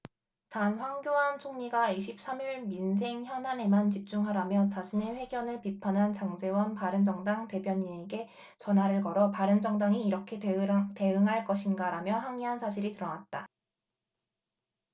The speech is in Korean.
단 황교안 총리가 이십 삼 일 민생 현안에만 집중하라며 자신의 회견을 비판한 장제원 바른정당 대변인에게 전화를 걸어 바른정당이 이렇게 대응할 것인가라며 항의한 사실이 드러났다